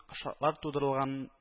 Шартлар тудырылган